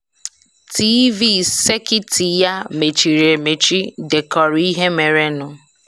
TiiVii sekiiti ya mechiri emechi dekọrọ ihe merenụ.